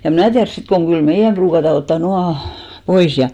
ja en minä tiedä sitten kun kyllä meidän ruukataan ottaa nuo pois ja